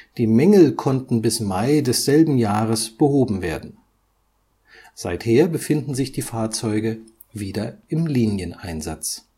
Die Mängel konnten bis Mai desselben Jahres behoben werden. Seither befinden sich die Fahrzeuge wieder im Linieneinsatz